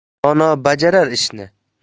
dono bajarar ishni